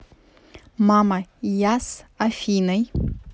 мама я с афиной